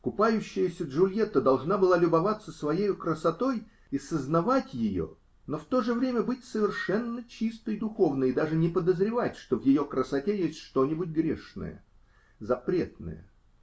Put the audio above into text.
Купающаяся Джульетта должна была любоваться своею красотой и со знавать ее, но в то же время быть совершенно чистой духовно и даже не подозревать, что в ее красоте есть что-нибудь грешное, запретное.